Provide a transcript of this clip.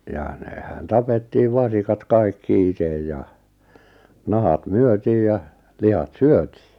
ja nehän tapettiin vasikat kaikki itse ja nahat myytiin ja lihat syötiin